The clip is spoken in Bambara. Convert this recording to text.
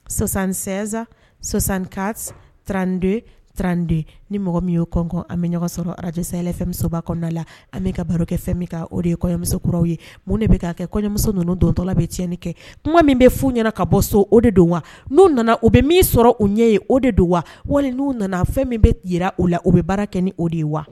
Sososansansan sɔsan karanterante ni mɔgɔ min y' o kɔn an bɛ ɲɔgɔn sɔrɔ arajsafɛnmusoba kɔnɔnada la an bɛ ka baro kɛ fɛn min o de ye kɔɲɔmusokuraw ye mun de bɛ kɛ kɔɲɔmuso ninnu dontɔ bɛ tiɲɛn kɛ kuma min bɛ fu ɲɛna ka bɔ so o de don wa n'u nana u bɛ min sɔrɔ u ɲɛ ye o de don wa wali n'u nana fɛn min bɛ jira o la u bɛ baara kɛ ni o de ye wa